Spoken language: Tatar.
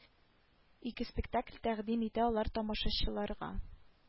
Ике спектакль тәкүдим итә алар тамашачыларга